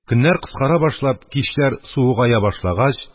Көннәр кыскара башлап, кичләр суыгая башлагач,